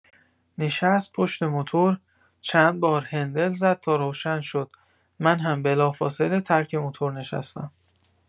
نشست پشت موتور، چند بار هندل زد تا روشن شد من هم بلافاصه ترک موتور نشستم.